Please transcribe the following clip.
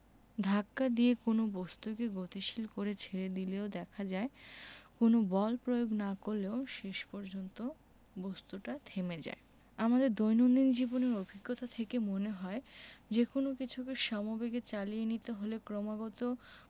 ধাক্কা দিয়ে কোনো বস্তুকে গতিশীল করে ছেড়ে দিলেও দেখা যায় কোনো বল প্রয়োগ না করলেও শেষ পর্যন্ত বস্তুটা থেমে যায় আমাদের দৈনন্দিন জীবনের অভিজ্ঞতা থেকে মনে হয় যেকোনো কিছুকে সমবেগে চালিয়ে নিতে হলে ক্রমাগত